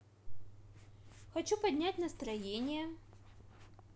хочу поднять настроение